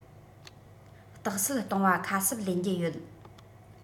རྟགས གསལ གཏོང བ ཁ གསབ ལེན རྒྱུ ཡོད